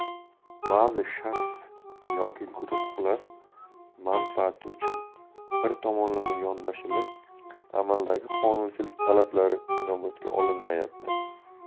ba'zi shaxs yoki guruhlar manfaati uchun bir tomonlama yondoshilib amaldagi qonunchilik talablari inobatga olinmayapti